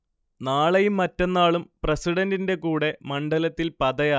നാളെയും മറ്റന്നാളും പ്രസിഡന്റിന്റെ കൂടെ മണ്ഡലത്തിൽ പദയാത്ര